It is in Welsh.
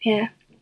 Ia